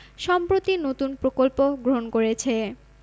সম্প্রতি নতুন প্রকল্প গ্রহণ করেছে